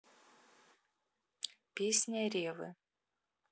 песня реввы